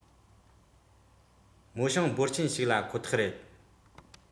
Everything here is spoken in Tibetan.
རྨོ ཞིང འབོར ཆེན ཞིག ལ ཁོ ཐག རེད